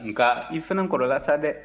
nka i fana kɔrɔla sa dɛ